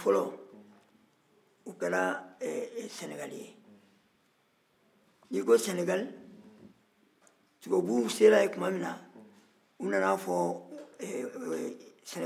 o kɛra ɛ sɛnɛgali ye n'i ko sɛnɛgali tubabw sera yen tuma minna u nana fɔ ɛ sɛnɛgali sigibagaw ye